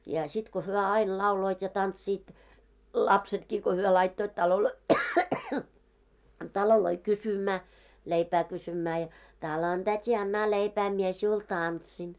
ja sitten kun he aina lauloivat ja tanssivat lapsetkin kun he laittoivat taloihin taloihin kysymään leipää kysymään ja talon täti annahan leipää minä sinulle tanssin